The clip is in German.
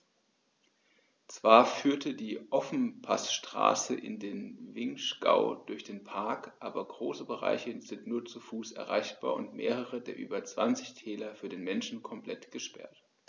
Zwar führt die Ofenpassstraße in den Vinschgau durch den Park, aber große Bereiche sind nur zu Fuß erreichbar und mehrere der über 20 Täler für den Menschen komplett gesperrt.